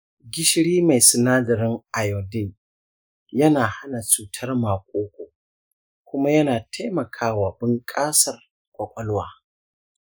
gishiri mai sinadaran iodine yana hana cutar maƙoƙo kuma yana taimaka wa bunƙasar ƙwaƙwalwa.